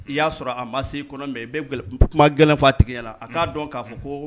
I y'a sɔrɔ a ma se kɔnɔbɛn i bɛ kuma gɛlɛn faa a tigɛya la a k'a dɔn k'a fɔ ko